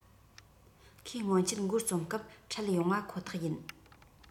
ཁྱོད སྔོན ཆད འགོ རྩོམ སྐབས འཕྲད ཡོང བ ཁོ ཐག ཡིན